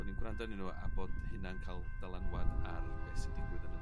bo' ni'n gwrando anyn nw a bod hyna'n ca'l dylanwad ar beth sy'n digwydd yn y